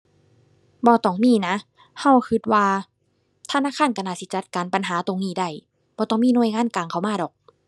บ่ต้องมีนะ เราเราว่า ธนาคารเราน่าสิจัดการปัญหาตรงนี้ได้ บ่ต้องมีหน่วยงานกลางเข้ามาดอก